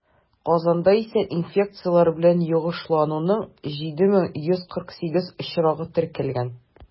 Казанда исә инфекцияләр белән йогышлануның 7148 очрагы теркәлгән.